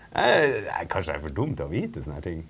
kanskje jeg er for dum til å vite sånn her ting.